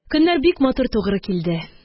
Көннәр бик матур тугры килде